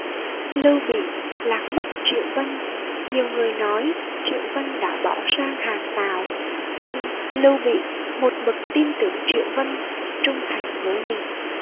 lưu bị lạc mất triệu vân nhiều người nói triệu vân đã bỏ sang hàng tào nhưng lưu bị một mực tin tưởng triệu vân trung thành với mình